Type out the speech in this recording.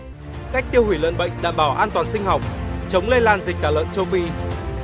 cách tiêu hủy lợn bệnh đảm bảo an toàn sinh học chống lây lan dịch tả lợn châu phi